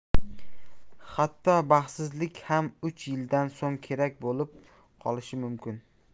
hatto baxtsizlik ham uch yildan so'ng kerak bo'lib qolishi mumkin